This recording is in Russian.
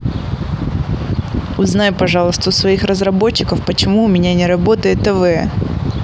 узнай пожалуйста у своих разработчиков почему у меня не работает тв